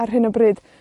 ar hyn o bryd.